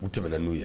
U tɛm n'u ye